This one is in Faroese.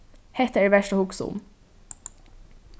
hetta er vert at hugsa um